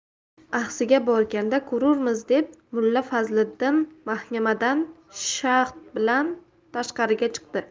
axsiga borganda ko'rurmiz deb mulla fazliddin mahkamadan shaxt bilan tashqariga chiqdi